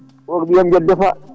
o ko ɓii yagguet deefa